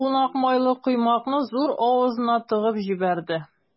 Кунак майлы коймакны зур авызына тыгып җибәрде.